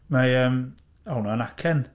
Mae yym... Oedd hwnna'n acen.